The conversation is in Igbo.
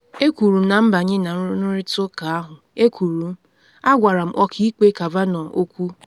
“E kwuru m na nbanye na nnụrịta ụka ahụ, E kwuru m, A gwara m Ọka Ikpe Kavanaugh okwu.